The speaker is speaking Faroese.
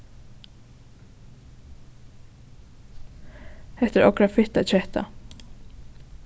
hetta er okra fitta ketta